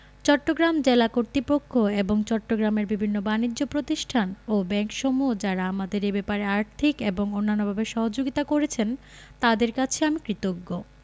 চট্টগ্রাম জেলা কর্তৃপক্ষ এবং চট্টগ্রামের বিভিন্ন বানিজ্য প্রতিষ্ঠান ও ব্যাংকসমূহ যারা আমাদের এ ব্যাপারে আর্থিক এবং অন্যান্যভাবে সহযোগিতা করেছেন তাঁদের কাছে আমি কৃতজ্ঞ